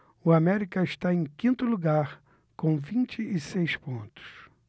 o américa está em quinto lugar com vinte e seis pontos